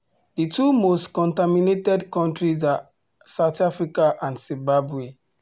The two most contaminated countries are South Africa and Zimbabwe.